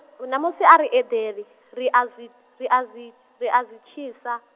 u ṋamusi ari eḓeli, ria zwi, ria zwi, ria zwi tshisa.